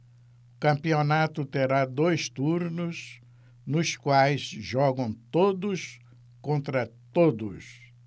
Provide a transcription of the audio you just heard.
o campeonato terá dois turnos nos quais jogam todos contra todos